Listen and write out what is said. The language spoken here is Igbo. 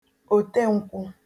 òtenkwụ